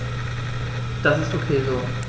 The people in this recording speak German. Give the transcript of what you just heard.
Das ist ok so.